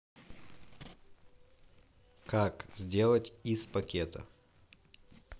как сделать из пакета